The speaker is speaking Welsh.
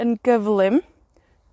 yn gyflym.